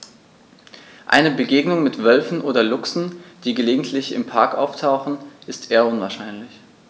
Eine Begegnung mit Wölfen oder Luchsen, die gelegentlich im Park auftauchen, ist eher unwahrscheinlich.